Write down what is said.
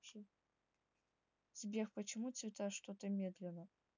сбер почему цвета что то медленно